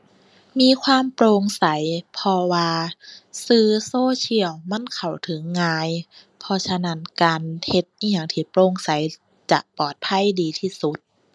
มีความโปร่งใส เพราะว่าสื่อโซเชียลมันเข้าถึงง่าย เพราะฉะนั้นการเฮ็ดอิหยังที่โปร่งใสจะปลอดภัยดีที่สุด